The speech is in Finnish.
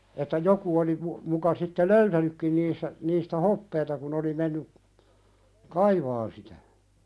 että joku oli - muka sitten löytänytkin niissä niistä hopeaa kun oli mennyt kaivamaan sitä